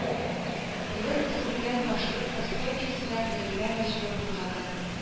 Лып төзелгән башкорт сословиесенә керергә мәҗбүр булганнар